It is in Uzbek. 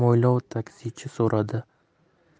mo'ylov taksichi so'radi